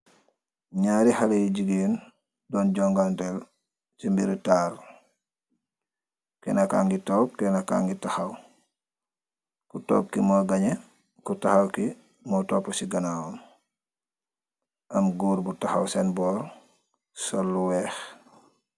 Nyari haleh yu jegain don jonganteh se meri taaru, kena kagi tonke kena kagi tahaw , ku tonke mu ganhe , ku tahaw Ke mu topa se ganawam am goor bu tahaw sen borr sul lu weeh.